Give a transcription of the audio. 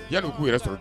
I'a ko k'u yɛrɛ sɔrɔ